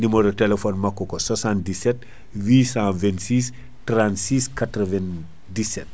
numéro téléphone makko ko 77 826 36 97